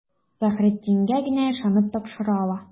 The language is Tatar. Фәхреддингә генә ышанып тапшыра ала.